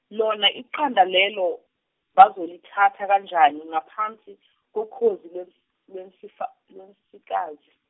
lona iqanda lelo bazolithatha kanjani ngaphansi kokhozi Iwens- lwensi- lwensikazi?